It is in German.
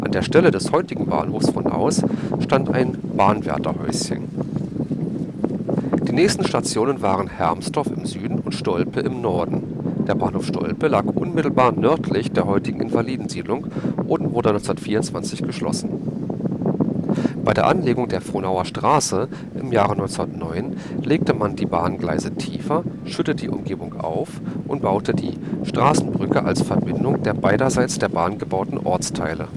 der Stelle des heutigen Bahnhofs Frohnau stand ein Bahnwärterhäuschen. Die nächsten Stationen waren Hermsdorf im Süden und Stolpe im Norden (der Bahnhof Stolpe lag unmittelbar nördlich der heutigen Invalidensiedlung und wurde 1924 geschlossen). Bei der Anlegung der Frohnauer Straße im Jahre 1909 legte man die Bahngleise tiefer, schüttete die Umgebung auf und baute die Straßenbrücke als Verbindung der beiderseits der Bahn gebauten Ortsteile